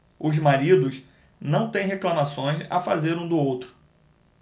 os maridos não têm reclamações a fazer um do outro